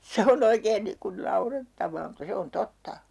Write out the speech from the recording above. se on oikein niin kuin naurettavaa mutta se on totta